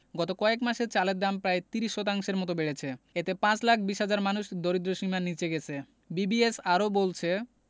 গত কয়েক মাসে চালের দাম প্রায় ৩০ শতাংশের মতো বেড়েছে এতে ৫ লাখ ২০ হাজার মানুষ দারিদ্র্যসীমার নিচে গেছে বিবিএস আরও বলছে